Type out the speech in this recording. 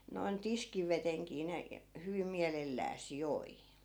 noin tiskivedenkin ne hyvin mielellään joi